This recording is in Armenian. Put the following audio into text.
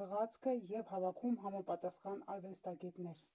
հղացքը և հավաքում համապատասխան արվեստագետներ։